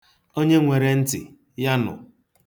Onye nwere ntị, ya nụ.